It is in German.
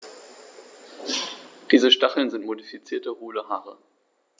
Diese Stacheln sind modifizierte, hohle Haare.